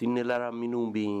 Ci nela minnu bɛ yen